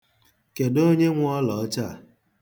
Kedụ onye nwe ọlọọcha a.